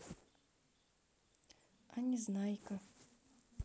а незнайка